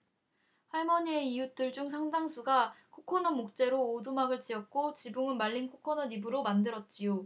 할머니의 이웃들 중 상당수가 코코넛 목재로 오두막을 지었고 지붕은 말린 코코넛 잎으로 만들었지요